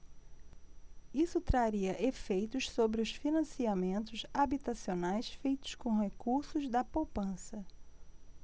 isso traria efeitos sobre os financiamentos habitacionais feitos com recursos da poupança